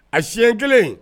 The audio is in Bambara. A siɲɛ kelen